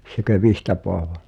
sekö Vihta-Paavo